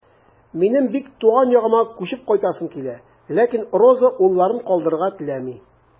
Минем бик туган ягыма күчеп кайтасым килә, ләкин Роза улларын калдырырга теләми.